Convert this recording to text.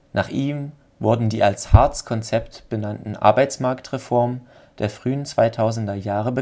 Nach ihm wurden die als Hartz-Konzept benannten Arbeitsmarkt-Reformen der frühen 2000er Jahre